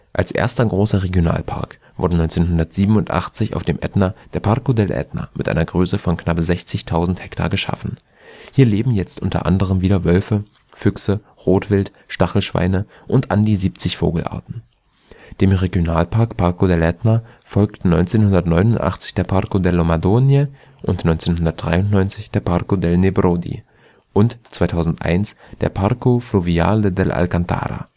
Als erster großer Regionalpark wurde 1987 auf dem Ätna der Parco dell’ Etna mit einer Größe von knapp 60.000 ha geschaffen. Hier leben jetzt unter anderem wieder Wölfe, Füchse, Rotwild, Stachelschweine und an die 70 Vogelarten. Dem Regionalpark Parco dell'Etna folgten 1989 der Parco delle Madonie, 1993 der Parco dei Nebrodi und 2001 der Parco Fluviale dell'Alcantara